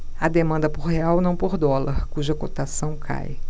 há demanda por real não por dólar cuja cotação cai